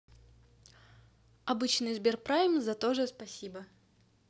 обычный сберпрайм за тоже спасибо